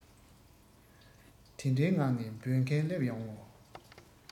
དེ འདྲའི ངང ནས འབོད མཁན སླེབས ཡོང ངོ